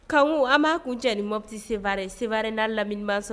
Kanku an b' kun cɛ ni moti seri seri n'a laminiman sɔn